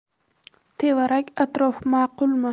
tevarak atrof ma'qulmi